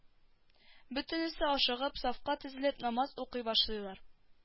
Бөтенесе ашыгып сафка тезелеп намаз укый башлыйлар